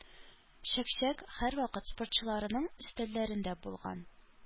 Чәк-чәк һәрвакыт спортчыларның өстәлләрендә булган.